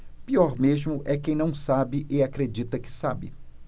pior mesmo é quem não sabe e acredita que sabe